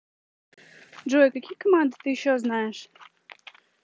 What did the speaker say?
джой какие команды ты еще знаешь